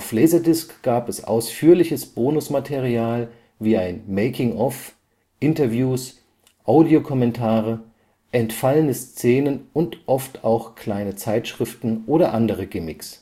Laserdisc gab es ausführliches Bonusmaterial wie ein Making of, Interviews, Audiokommentare, entfallene Szenen und oft auch kleine Zeitschriften oder andere Gimmicks